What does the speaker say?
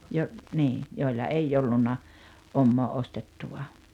- niin joilla ei ollut omaa ostettua